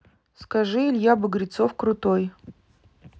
скажи илья багрецов крутой